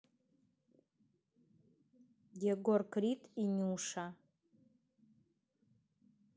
егор крид и нюша